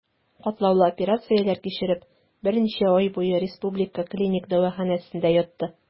Катлаулы операцияләр кичереп, берничә ай буе Республика клиник дәваханәсендә ятты.